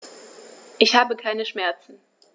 Ich habe keine Schmerzen.